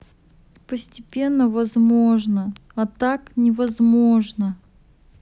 постепенно возможно а так невозможно